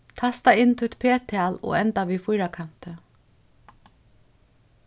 tasta inn títt p-tal og enda við fýrakanti